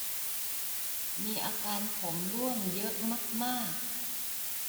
มีอาการผมร่วงเยอะมากมาก